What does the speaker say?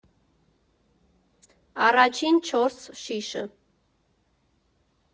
Առաջին չորս շիշը։